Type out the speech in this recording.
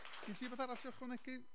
Sgen ti rywbeth arall i ychwanegu?